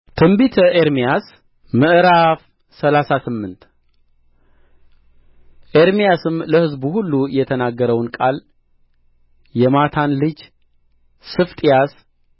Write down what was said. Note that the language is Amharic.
ትንቢተ ኤርምያስ ምዕራፍ ሰላሳ ስምንት ኤርምያስም ለሕዝቡ ሁሉ የተናገረውን ቃል የማታን ልጅ ስፋጥያስ